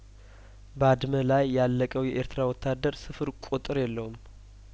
ባድመ ላይ ያለቀው የኤርትራ ወታደር ስፍር ቁጥር የለውም